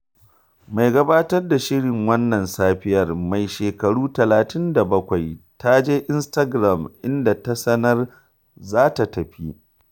Mai gabatar da shirin Wannan Safiyar, mai shekaru 37, ta je Instagram inda ta sanar za ta tafi.